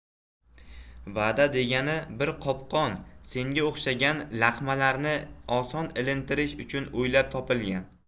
va'da degani bir qopqon senga o'xshagan laqmalarni oson ilintirish uchun o'ylab topilgan